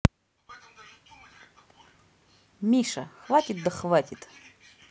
миша хватит да хватит